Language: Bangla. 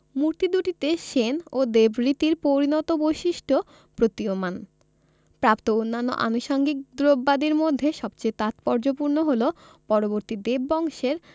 মূর্তি দুটিতে সেন ও দেব রীতির পরিণত বৈশিষ্ট্য প্রতীয়মান প্রাপ্ত অন্যান্য আনুষঙ্গিক দ্রব্যাদির মধ্যে সবচেয়ে তাৎপর্যপূর্ণ হলো পরবর্তী দেব বংশের